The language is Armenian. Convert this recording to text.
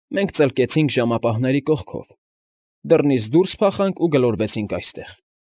Մենք ծլկեցինք ժամապահների կողքով, դռնից դուրս փախանք և գլորվեցինք այստեղ։